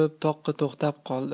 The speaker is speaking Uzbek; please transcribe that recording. taqqa to'xtab qoldi